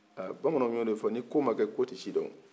aa bamananw y'o de fɔ ni ko ma kɛ ko tɛ si dɔ